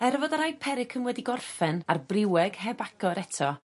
Er fod yr hypericum wedi gorffen ar briweg heb agor eto